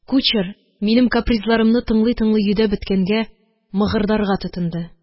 Кучер, минем капризларымны тыңлый-тыңлый йөдәп беткәнгә, мыгырдарга тотынды